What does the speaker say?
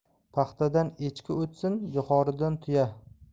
paxtadan echki o'tsin jo'xoridan tuya